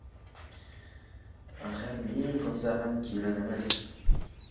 axir ming qilsa ham kelinimiz